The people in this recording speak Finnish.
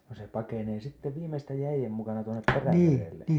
no se pakenee sitten viimeisten jäiden mukana tuonne Perämerelle